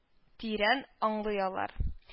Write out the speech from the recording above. Тирән аңлый алар